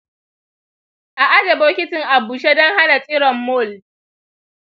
a aje bokitin a bushe don hana tsiron mold.